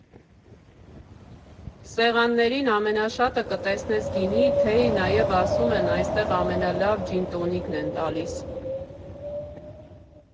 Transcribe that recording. Սեղաններին ամենաշատը կտեսնես գինի, թեյ, նաև ասում են այստեղ ամենալավ ջին֊տոնիկն են տալիս։